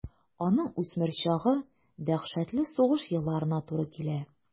Аның үсмер чагы дәһшәтле сугыш елларына туры килә.